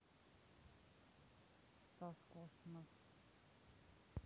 стас космос